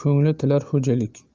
ko'ngli tilar xo'jalik